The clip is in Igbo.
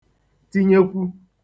tinyekwu